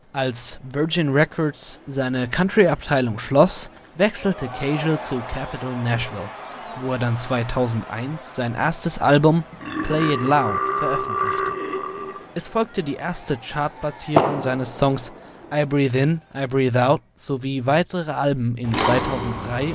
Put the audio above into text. Als Virgin Records seine Countryabteilung schloss wechselte Cagle zu Capitol Nashville, wo er dann 2001 sein erstes Album Play it Loud veröffentlichte. Es folgte die 1. Chartplatzierung seines Songs " I Breathe In, I Breathe Out " sowie weitere Alben in 2003